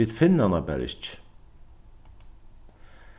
vit finna hana bara ikki